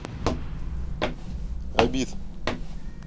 обид